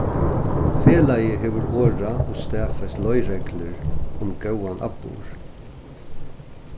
felagið hevur orðað og staðfest leiðreglur um góðan atburð